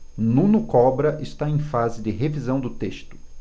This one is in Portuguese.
nuno cobra está em fase de revisão do texto